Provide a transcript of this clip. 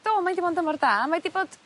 Do mae 'di bo' yn dymor da mae 'di bod